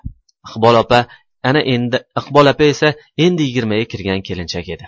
iqbol opa esa endi yigirmaga kirgan kelinchak edi